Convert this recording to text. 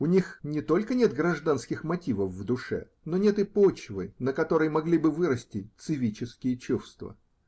У них не только нет гражданских мотивов в душе, но нет и почвы, на которой могли бы вырасти цивические чувства.